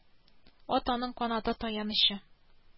Ат аның канаты таянычы